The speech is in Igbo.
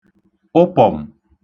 ụpọ̀m̀